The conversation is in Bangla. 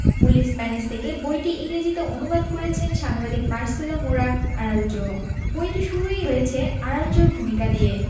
মূল স্প্যানিশ থেকে বইটি ইংরেজিতে অনু্বাদ করেছেন সাংবাদিক মার্সেলা মোরা আরাউজো বইটি শুরুই হয়েছে আরাউজোর ভূমিকা দিয়ে